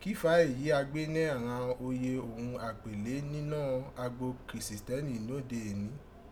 Kí fà á èyí a gbe nẹ́ àghan oyè òghun àpèlé ninọ́ agbo Kirisiteni node èni?